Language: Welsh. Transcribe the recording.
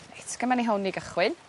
reit gyman ni hwn i gychwyn